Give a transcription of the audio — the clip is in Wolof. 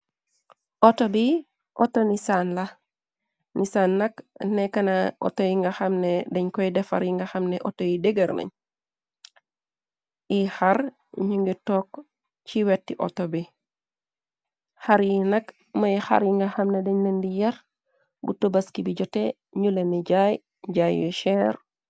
Auto bi autoni saan la nissan nak nekkna auto yi nga xamne dañ koy defar yi nga xamne auto yu degër nañ ixar ñu ngi tokk ci wetti outo bi xar yi nak mooy xar yi nga xamne dañ landi yar bu tobaski bi jote ñula ni jaay jaay yu cheer.